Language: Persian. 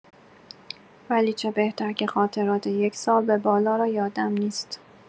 ولی چه بهتر که خاطرات یکسال به بالا را یادم نیست.